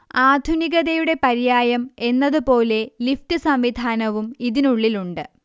ആധുനികതയുടെ പര്യായം എന്നതുപോലെ ലിഫ്റ്റ് സംവിധാനവും ഇതിനുള്ളിൽ ഉണ്ട്